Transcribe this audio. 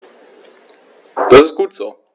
Das ist gut so.